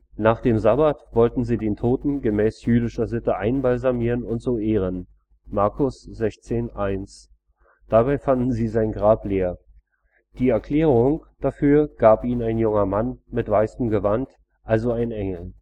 Nach dem Sabbat wollten sie den Toten gemäß jüdischer Sitte einbalsamieren und so ehren (Mk 16,1). Dabei fanden sie sein Grab leer. Die Erklärung dafür gab ihnen ein junger Mann in weißem Gewand, also ein Engel